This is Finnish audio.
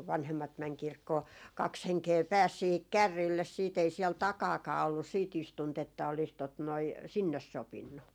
kun vanhemmat meni kirkkoon kaksi henkeä pääsi siihen kärreille sitten ei siellä takanakaan ollut sitten istuinta että olisi tuota noin sinne sopinut